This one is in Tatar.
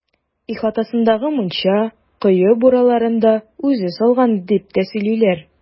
Ихатасындагы мунча, кое бураларын да үзе салган, дип тә сөйлиләр.